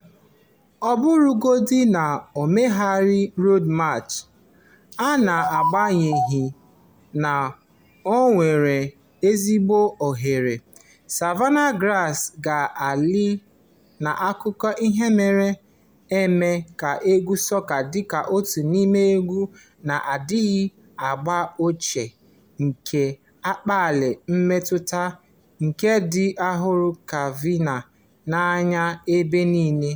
Ọ bụrụgodu na o merighị Road March (na-agbanyeghị na o nwere ezigbo ohere!), "Savannah Grass" ga-ala n'akụkọ ihe mere eme nke egwu sọka dịka otu n'ime egwu na-adịghị agba ochie nke na-akpali mmetụta nke ndị hụrụ Kanịva n'anya ebe nile.